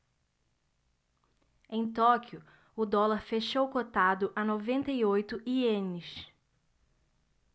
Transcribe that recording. em tóquio o dólar fechou cotado a noventa e oito ienes